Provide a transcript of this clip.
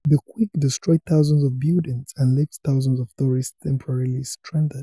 The quake destroyed thousands of buildings and left thousands of tourists temporarily stranded.